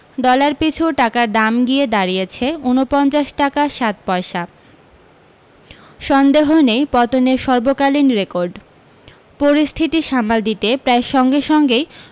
ডলারপিছু টাকার দাম গিয়ে দাঁড়িয়েছে উনপঞ্চাশ টাকা সাত পয়সা সন্দেহ নেই পতনের সর্বকালীন রেকর্ড পরিস্থিতি সামাল দিতে প্রায় সঙ্গে সঙ্গেই